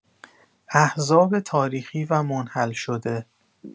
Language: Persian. احزاب تاریخی و منحل‌شده